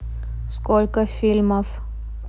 сколько фильмов